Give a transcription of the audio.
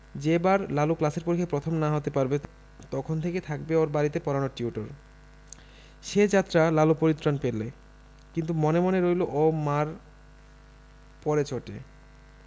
যে বার লালু ক্লাসের পরীক্ষায় প্রথম না হতে পারবে তখন থেকে থাকবে ওর বাড়িতে পড়ানোর টিউটার সে যাত্রা লালু পরিত্রাণ পেলে কিন্তু মনে মনে রইল ও মা'র 'পরে চটে